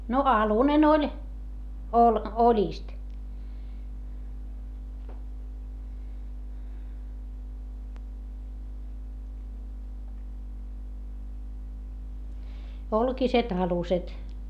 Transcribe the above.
no alunen oli - oljista olkiset aluset